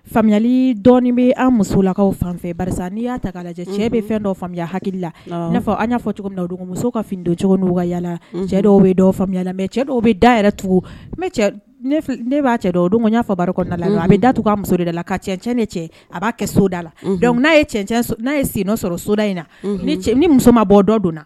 Faamuyali dɔ bɛ an muso lakaw fan n'i ya ta' lajɛ cɛ bɛ fɛn dɔ faamuya hakili la fɔ an y'a fɔ cogo don muso ka fini don cogo' ka yalala cɛ dɔw bɛ faamuya cɛ dɔw bɛ da yɛrɛ tugu ne b'a cɛ dɔn don n y'a fɔda la a bɛ da tugu kaa muso de la ka cɛ cɛ ne cɛ a b'a kɛ soda la n'a ye n'a ye sen sɔrɔ soda in na ni muso ma bɔ dɔ donna na